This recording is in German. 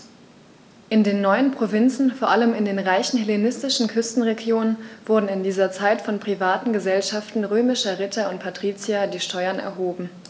In den neuen Provinzen, vor allem in den reichen hellenistischen Küstenregionen, wurden in dieser Zeit von privaten „Gesellschaften“ römischer Ritter und Patrizier die Steuern erhoben.